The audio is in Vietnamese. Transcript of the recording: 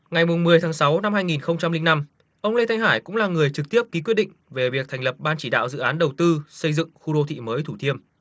ngày mùng mười tháng sáu năm hai nghìn không trăm linh năm ông lê thanh hải cũng là người trực tiếp ký quyết định về việc thành lập ban chỉ đạo dự án đầu tư xây dựng khu đô thị mới thủ thiêm